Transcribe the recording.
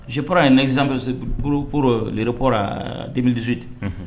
Sip ye nɛgɛzporo repra densute